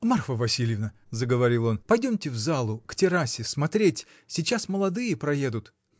— Марфа Васильевна, — заговорил он, — пойдемте в залу, к террасе — смотреть: сейчас молодые проедут.